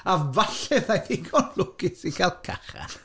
A falle fydda i ddigon lwcus i gael cacha.